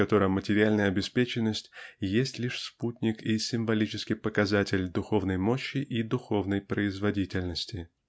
в котором материальная обеспеченность есть лишь спутник и символический показатель духовной мощи и духовной производительности.